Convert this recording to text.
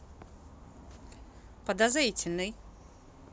подозрительный